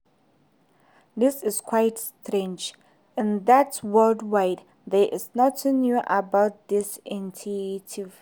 This is quite strange, in that worldwide, there is nothing new about this initiative.